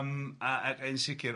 ...yym a ac yn sicr.